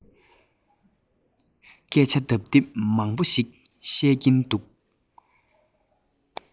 སྐད ཆ ལྡབ ལྡིབ མང པོ ཞིག བཤད ཀྱིན འདུག